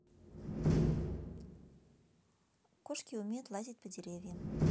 кошки умеют лазить по деревьям